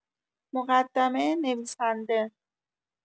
مقدمه نویسنده